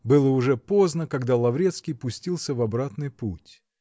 Было уже поздно, когда Лаврецкий пустился в обратный путь.